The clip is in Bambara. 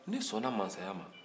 n'i sɔnna mansaya ma